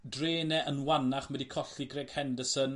drên e yn wanach ma' 'di colli Greg Henderson...